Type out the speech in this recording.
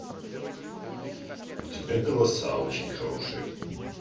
у тебя голоса очень хорошие